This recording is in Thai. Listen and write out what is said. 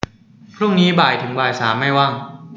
พรุ่งนี้บ่ายถึงบ่ายสามไม่ว่าง